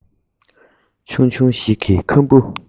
ཆུང ཆུང ཞིག གིས ཁམ བུ